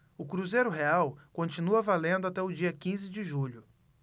o cruzeiro real continua valendo até o dia quinze de julho